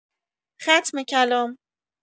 ختم کلام!